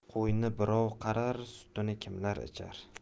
qo'yini birov qarar sutini kimlar ichar